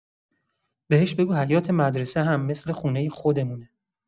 بهش بگو حیاط مدرسه هم مثل خونه خودمونه.